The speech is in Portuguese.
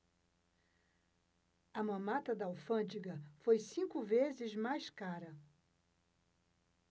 a mamata da alfândega foi cinco vezes mais cara